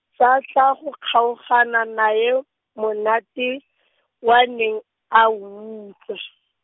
tsa tla go kgaogana nae monate , o a neng, a o utlwa.